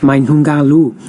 Mae nhw'n galw